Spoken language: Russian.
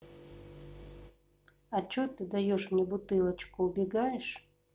а че ты даешь мне бутылочку убегаешь